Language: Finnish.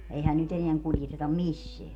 eihän nyt enää kuljeteta missään